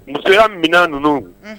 Muso min ninnu